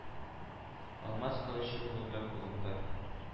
Алмаз кылычы булды кулында.